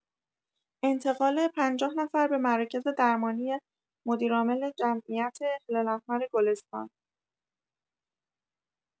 انتقال ۵۰ نفر به مراکز درمانی مدیرعامل جمعیت هلال‌احمر گلستان